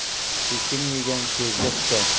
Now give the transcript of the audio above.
tekin yegan ko'zga tikan